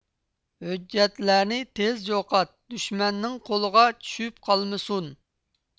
ھۆججەتلەرنى تېز يوقات دۈشمەننىڭ قولىغا چۈشۈپ قالمىسۇن